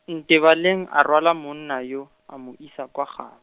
Ntebaleng a rwala monna yo, a mo isa kwa gaa-.